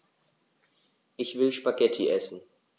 Ich will Spaghetti essen.